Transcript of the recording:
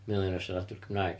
Miliwn o siaradwyr Cymraeg.